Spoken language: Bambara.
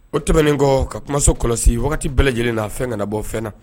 O tɛmɛnen kɔ ka kumaso kɔlɔsi wagati bɛɛ lajɛlen n'a fɛn ka na bɔ fɛn na.